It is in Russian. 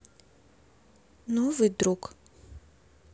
новый друг